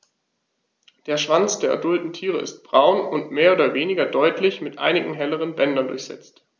Der Schwanz der adulten Tiere ist braun und mehr oder weniger deutlich mit einigen helleren Bändern durchsetzt.